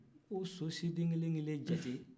k'o siden kelen-kelen jate